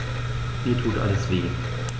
Mir tut alles weh.